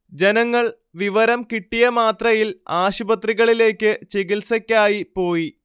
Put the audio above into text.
ജനങ്ങൾ വിവരം കിട്ടിയമാത്രയിൽ ആശുപത്രികളിലേക്ക് ചികിത്സക്കായി പോയി